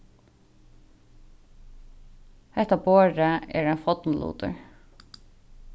hetta borðið er ein fornlutur